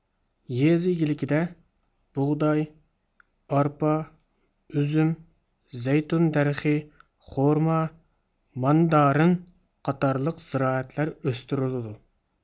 يېزا ئىگىلىكىدە بۇغداي ئارپا ئۈزۈم زەيتۇن دەرىخى خورما ماندارىن قاتارلىق زىرائەتلەر ئۆستۈرۈلىدۇ